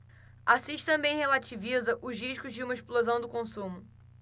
assis também relativiza os riscos de uma explosão do consumo